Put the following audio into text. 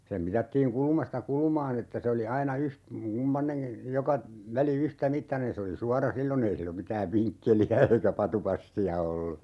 sen mitattiin kulmasta kulmaan että se oli aina - kumpainenkin joka väli yhtämittainen se oli suora silloin ei silloin mitään vinkkeliä eikä vatupassia ollut